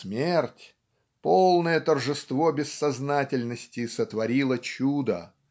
Смерть, полное торжество бессознательности, сотворила чудо